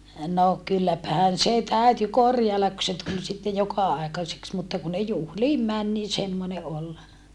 no kylläpähän se täytyi korjailla kun se tuli sitten joka-aikaiseksi mutta kun ne juhliin meni niin semmoinen oli